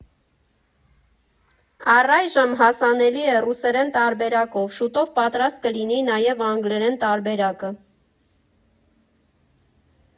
Առայժմ հասանելի է ռուսերեն տարբերակով, շուտով պատրաստ կլինի նաև անգլերեն տարբերակը։